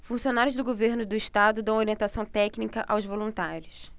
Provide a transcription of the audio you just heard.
funcionários do governo do estado dão orientação técnica aos voluntários